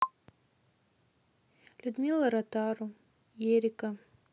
людмила ротару ерика